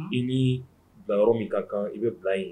I ni bila min ka kan i bɛ bila ye